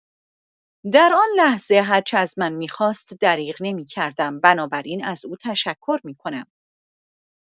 در آن لحظه، هرچه از من می‌خواست دریغ نمی‌کردم، بنابراین از او تشکر می‌کنم.